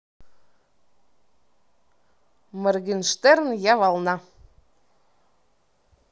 morgenshtern я волна